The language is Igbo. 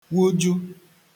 wuju